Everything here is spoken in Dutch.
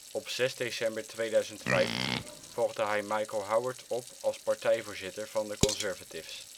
Op 6 december 2005 volgde hij Michael Howard op als partijvoorzitter van de Conservatives